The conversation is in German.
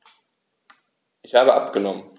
Ich habe abgenommen.